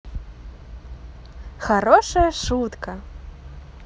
хорошая шутка